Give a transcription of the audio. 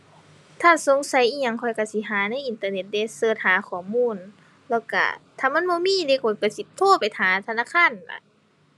ถ้าสงสัยอิหยังข้อยก็สิหาในอินเทอร์เน็ตเดะ เสิร์ชหาข้อมูล แล้วก็ถ้ามันบ่มีนี่ข้อยก็สิโทรไปหาธนาคารนั่นล่ะ